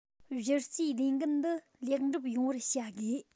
གཞི རྩའི ལས འགན འདི ལེགས འགྲུབ ཡོང བར བྱ དགོས